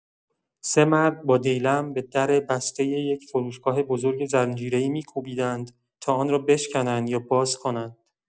سه مرد با دیلم به در بسته یک فروشگاه بزرگ زنجیره‌ای می‌کوبیدند تا آن را بشکنند یا باز کنند.